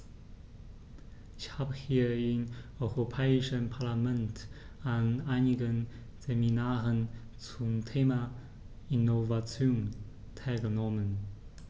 Ich habe hier im Europäischen Parlament an einigen Seminaren zum Thema "Innovation" teilgenommen.